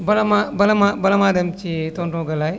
bala maa bala maa bala maa dem ci tonton Galaye